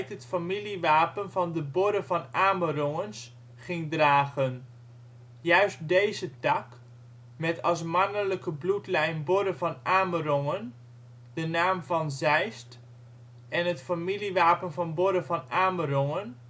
het familiewapen van de Borre van Amerongens ging dragen. Juist deze tak, met als mannelijke bloedlijn Borre van Amerongen, de naam Van Zeist en het familiewapen van Borre van Amerongen